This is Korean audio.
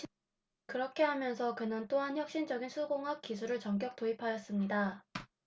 그렇게 하면서 그는 또한 혁신적인 수공학 기술을 전격 도입하였습니다